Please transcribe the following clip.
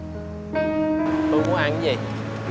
cái gì